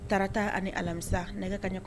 Tarata ani alamisa nɛgɛ kaɲa